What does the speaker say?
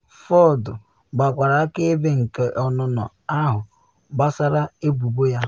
Ford gbakwara akaebe nke ọnụnụ ahụ gbasara ebubo ya.